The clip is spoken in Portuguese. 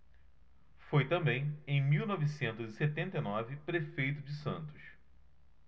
foi também em mil novecentos e setenta e nove prefeito de santos